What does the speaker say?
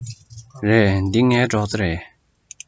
རེད འདི ངའི སྒྲོག རྩེ རེད